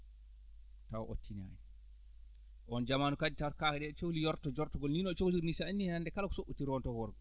taw o tinaani oon jamaanu kadi tawat kaake ɗee ɗi cohli yortude njortugol nii no cohliri nii so a inni hannde kala ko soɓɓitii ronto ko worgo